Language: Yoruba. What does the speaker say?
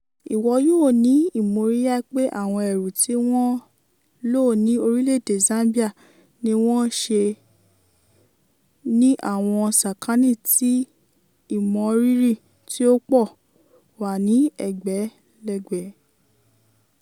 Ìwọ yóò ní ìmòrìyá pé àwọn ẹrù tí wọ́n lò ní orílẹ̀ èdè Zambia ni wọ́n ṣe ní àwọn sàkání tí ìmọrírì, tí ó pọ̀, wà ní ẹgbẹ̀lẹ́gbẹ̀.